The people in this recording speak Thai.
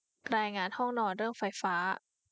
รายงานห้องนอนเรื่องไฟฟ้า